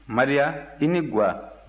maria i ni ga